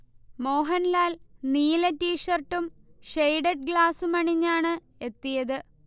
മോഹൻലാൽ നീല ടീഷർട്ടും ഷെയ്ഡഡ് ഗ്ലാസും അണിഞ്ഞാണ് എത്തിയത്